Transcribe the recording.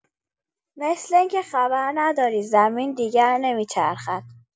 مثل این‌که خبر نداری زمین دیگر نمی‌چرخد!